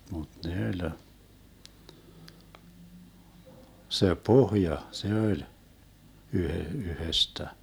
mutta ne oli se pohja se oli - yhdestä